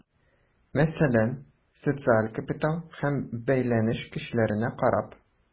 Мәсәлән, социаль капитал һәм бәйләнеш көчләренә карап.